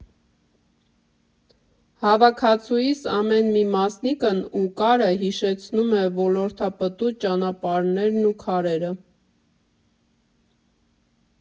Հավաքածուիս ամեն մի մասնիկն ու կարը հիշեցնում է ոլորապտույտ ճանապարհներն ու քարերը։